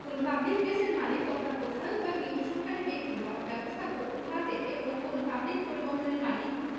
কোন পাবলিক প্লেসের মালিক তত্ত্বাবধায়ক বা নিয়ন্ত্রণকারী ব্যক্তি বা ব্যবস্থাপক উহাতে এবং কোন পাবলিক পরিবহণের মালিক